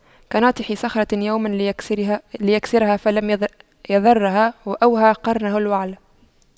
كناطح صخرة يوما ليكسرها فلم يضرها وأوهى قرنه الوعل